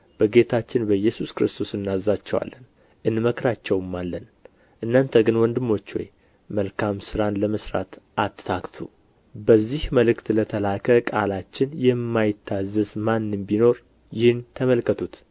በጌታችን በኢየሱስ ክርስቶስ እናዛቸዋለን እንመክራቸውማለን እናንተ ግን ወንድሞች ሆይ መልካም ሥራን ለመሥራት አትታክቱ በዚህ መልእክት ለተላከ ቃላችን የማይታዘዝ ማንም ቢኖር ይህን ተመልከቱት